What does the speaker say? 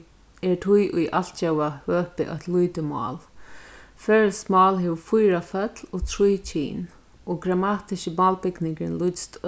er tí í altjóða høpi eitt lítið mál føroyskt mál hevur fýra føll og trý kyn og grammatiski málbygningurin líkist